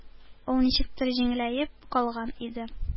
Ул, ничектер, җиңеләеп калган иде.